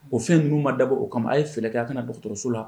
O fɛn nu ma dabɔ oo kama a ye f kɛ a ka na bɔ dɔgɔtɔrɔso la